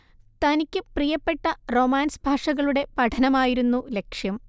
തനിക്ക് പ്രിയപ്പെട്ട റൊമാൻസ് ഭാഷകളുടെ പഠനമായിരുന്നു ലക്ഷ്യം